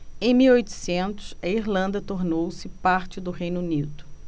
em mil e oitocentos a irlanda tornou-se parte do reino unido